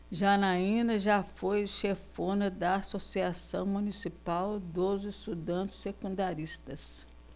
janaina foi chefona da ames associação municipal dos estudantes secundaristas